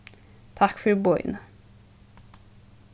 takk fyri boðini